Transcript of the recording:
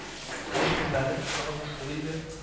Менә шәкертләрнең сораганы шул иде.